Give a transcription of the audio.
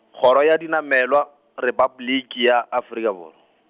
Kgoro ya Dinamelwa, Repabliki ya Afrika Borwa.